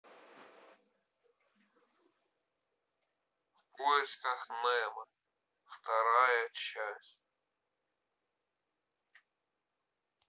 в поисках немо вторая часть